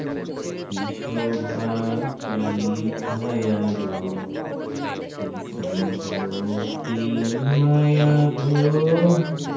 কী শোভা কী ছায়া গো কী স্নেহ কী মায়া গো